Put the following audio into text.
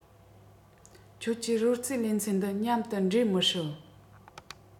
ཁྱོད གྱི རོལ རྩེད ལེ ཚན འདི མཉམ དུ འདྲེས མི སྲིད